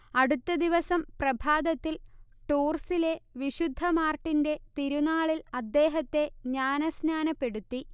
അടുത്ത ദിവസം പ്രഭാതത്തിൽ ടൂർസിലെ വിശുദ്ധ മാർട്ടിന്റെ തിരുനാളിൽ അദ്ദേഹത്തെ ജ്ഞാനസ്നാനപ്പെടുത്തി